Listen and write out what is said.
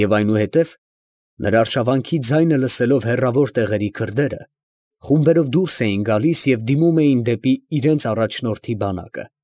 Եվ այնուհետև, նրա արշավանքի ձայնը լսելով հեռավոր տեղերի քրդերը, խումբերով դուրս էին գալիս, և դիմում էին դեպի իրանց առաջնորդի բանակը։